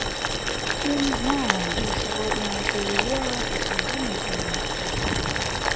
я не знаю я сегодня переела я сижу на диете